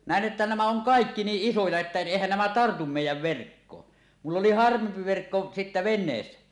näen että nämä on kaikki niin isoja että eihän nämä tartu meidän verkkoon minulla oli harvempi verkko sitten veneessä